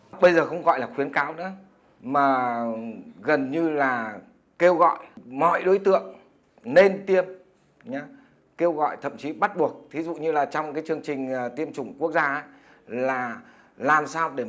bây giờ không gọi là khuyến cáo nữa mà gần như là kêu gọi mọi đối tượng nên tiêm nhá kêu gọi thậm chí bắt buộc thí dụ như là trong cái chương trình tiêm chủng quốc gia á là làm sao để